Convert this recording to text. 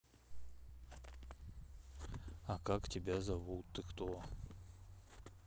а как тебя зовут ты кто